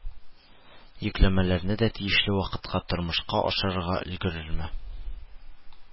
Йөкләмәләрне дә тиешле вакытка тормышка ашырырга өлгерерме